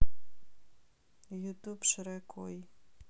ютуб шрек ой